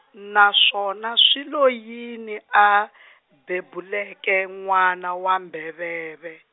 naswona swi lo yini a , bebuleke n'wana wa mbheveve?